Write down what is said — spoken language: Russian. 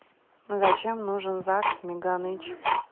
зачем нужен загс меганыч